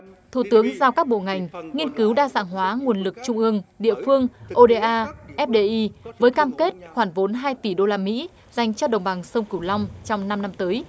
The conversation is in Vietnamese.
thủ tướng giao các bộ ngành nghiên cứu đa dạng hóa nguồn lực trung ương địa phương ô đê a ép đê y với cam kết khoản vốn hai tỷ đô la mỹ dành cho đồng bằng sông cửu long trong năm năm tới